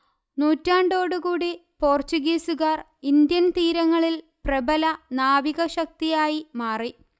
നൂറ്റാണ്ടോടുകൂടി പോർച്ചുഗീസുകാർ ഇന്ത്യൻതീരങ്ങളിൽ പ്രബല നാവികശക്തിയായി മാറി